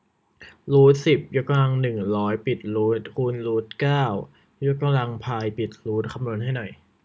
รูทสิบยกกำลังหนึ่งร้อยปิดรูทคูณรูทเก้ายกกำลังพายปิดรูทคำนวณให้หน่อย